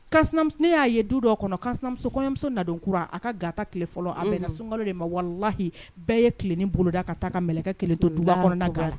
Ne y'a ye du dɔ kɔnɔ kamuso kɔɲɔmuso nadonkura a ka gata tile fɔlɔ a bɛnna sunka de ma walalahi bɛɛ ye tilenen boloda ka taa ka kɛlɛkɛ kelen to duba kɔnɔ kan la